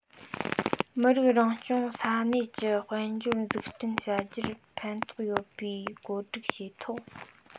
མི རིགས རང སྐྱོང ས གནས ཀྱི དཔལ འབྱོར འཛུགས སྐྲུན བྱ རྒྱུར ཕན འདོགས ཐུབ པའི བཀོད སྒྲིག བྱས ཐོག